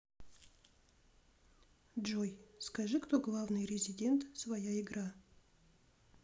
джой скажи кто главный резидент своя игра